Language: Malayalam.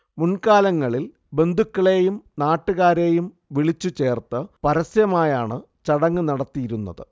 മുൻകാലങ്ങളിൽ ബന്ധുക്കളെയും നാട്ടുകാരെയും വിളിച്ചുചേർത്തു പരസ്യമായാണ് ചടങ്ങ് നടത്തിയിരുന്നത്